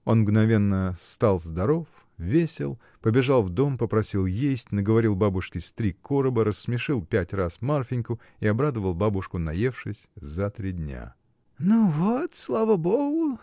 Он мгновенно стал здоров, весел, побежал в дом, попросил есть, наговорил бабушке с три короба, рассмешил пять раз Марфиньку и обрадовал бабушку, наевшись за три дня. — Ну вот, слава Богу!